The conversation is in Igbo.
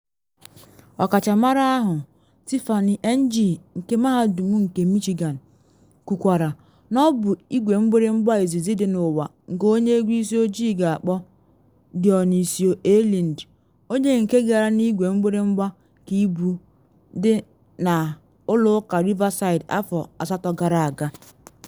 Ọkachamara ahụ, Tiffany Ng nke Mahadum nke Michigan, kwukwara na ọ bụ igwe mgbịrịmgba izizi dị n’ụwa nke onye egwu isi ojii ga-akpọ, Dionisio A. Lind, onye nke gara n’igwe mgbịrịmgba ka ibu dị na Ụlọ Ụka Riverside afọ 18 gara aga.